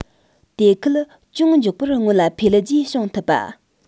དེ ཁུལ ཅུང མགྱོགས པོར སྔོན ལ འཕེལ རྒྱས བྱུང ཐུབ པ